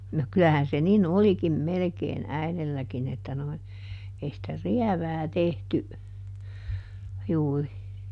no kyllähän se niin olikin melkein äidilläkin että nuo ei sitä rievää tehty juuri